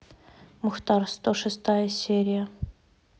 мухтар сто шестая серия